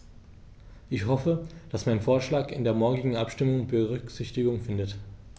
Ich hoffe, dass mein Vorschlag in der morgigen Abstimmung Berücksichtigung findet.